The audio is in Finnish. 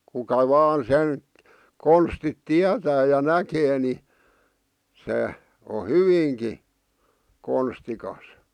kuka vain sen konstit tietää ja näkee niin se on hyvinkin konstikas